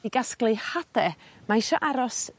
I gasglu hade mae isio aros